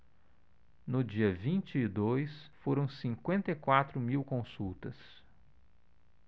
no dia vinte e dois foram cinquenta e quatro mil consultas